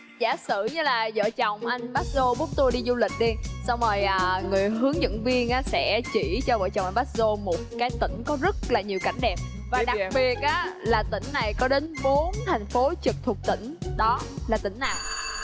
giả sử như là vợ chồng anh bát s tô búc tua đi du lịch đi sau rồi à người hướng dẫn viên á sẽ chỉ cho vợ chồng anh bát s tô một các tỉnh rất là nhiều cảnh đẹp và đặc biệt á là tỉnh này có đến bốn thành phố trực thuộc tỉnh đó là tỉnh nào